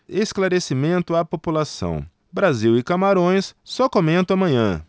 esclarecimento à população brasil e camarões só comento amanhã